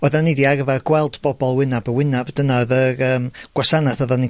oddan ni 'di arfer gweld bobol wynab a wynab. Dyna odd yr yym gwasanath oddan ni'n